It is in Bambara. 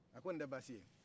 a ko nin tɛ baasi ye